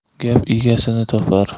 gap egasini topar